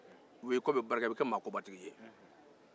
i kɔ bɛ barika wa i bɛ kɛ maa kɔbatigi ye